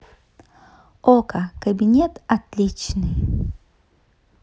okko кабинет отличный